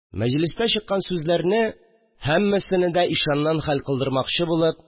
Мәҗлестә чыккан сүзләрне һәммәсене дә ишаннан хәл кылдырмакчы булып